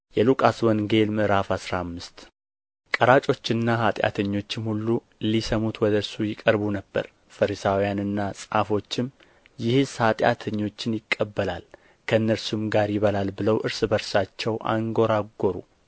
የሉቃስ ወንጌል ምዕራፍ አስራ አምስት ቀራጮችና ኃጢአተኞችም ሁሉ ሊሰሙት ወደ እርሱ ይቀርቡ ነበር ፈሪሳውያንና ጻፎችም ይህስ ኃጢአተኞችን ይቀበላል ከእነርሱም ጋር ይበላል ብለው እርስ በርሳቸው አንጐራጐሩ